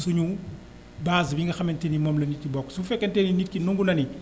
suñu base bi nga xamante ni moom lañu ci bokk su fekkee ni tey jii nit ki nangu na ni